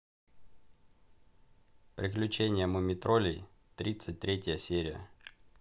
приключения мумитроллей тридцать третья серия